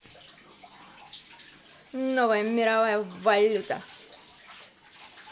новая мировая валюта